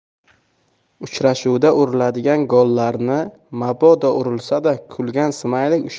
uchrashuvda uriladigan gollarni mabodo urilsada kulgan smaylik